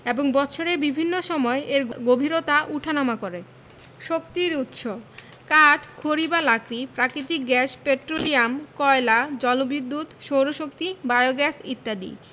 এবং বৎসরের বিভিন্ন সময় এর গভীরতা উঠানামা করে শক্তির উৎসঃ কাঠ খড়ি বা লাকড়ি প্রাকৃতিক গ্যাস পেট্রোলিয়াম কয়লা জলবিদ্যুৎ সৌরশক্তি বায়োগ্যাস ইত্যাদি